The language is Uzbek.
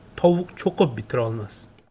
tovuq cho'qib bitirolmas